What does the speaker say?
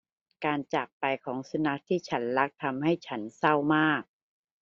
การจากไปของสุนัขที่ฉันรักทำให้ฉันเศร้ามาก